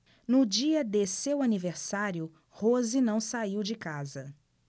no dia de seu aniversário rose não saiu de casa